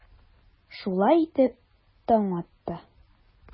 Шулай итеп, таң атты.